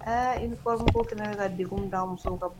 I fa ko kɛnɛ ka de d' muso ka bɔ